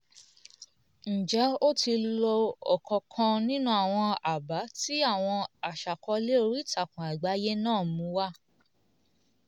Ǹjẹ́ o ti lo ọ̀kankan nínú àwọn àbá tí àwọn aṣàkọọ́lẹ̀ oríìtakùn àgbáyé náà mú wá?